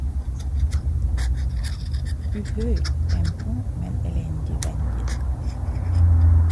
Uhøyrt tempo, men elendig vending.